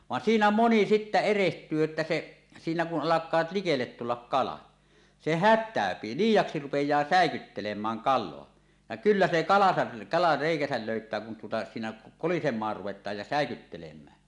vaan siinä moni sitten erehtyy että se siinä kun alkaa likelle tulla kala se hätääntyy liiaksi rupeaa säikyttelemään kalaa ja kyllä se kalansa kala reikänsä löytää kun tuota siinä kolisemaan ruvetaan ja säikyttelemään